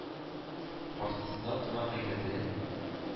Каршысында тора гайрәтле,